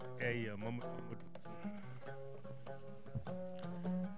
eeyi Mamadou Amadou